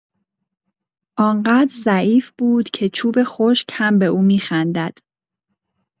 آنقدر ضعیف بود که چوب خشک هم به او می‌خندد.